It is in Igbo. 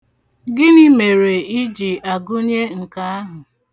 Gịnị mere ị ji agụnye nke ahụ.